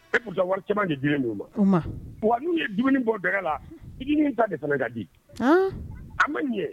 E kunta wari caman di di ninnu ma wa n'u ye dumuni bɔ bɛɛgɛ la i min ta de fana ka di a ma nin ye